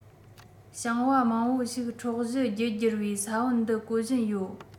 ཞིང པ མང པོ ཞིག འཕྲོག གཞི རྒྱུ སྒྱུར བའི ས བོན འདི བཀོལ བཞིན ཡོད